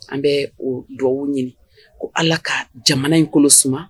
An bɛ o dubabuw ɲini ko ala ka jamana in kolo suma